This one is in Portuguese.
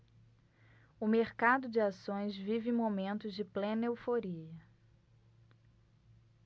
o mercado de ações vive momentos de plena euforia